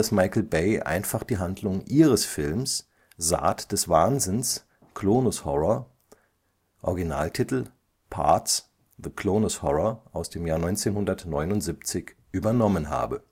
Michael Bay einfach die Handlung ihres Films Saat des Wahnsinns – Clonus Horror (Originaltitel: Parts: The Clonus Horror, 1979) übernommen habe